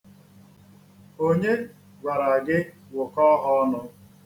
Onye gwara gị wụkọọ ha ọnụ?